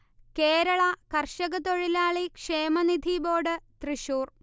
കേരള കർഷക തൊഴിലാളി ക്ഷേമനിധി ബോർഡ് തൃശ്ശൂർ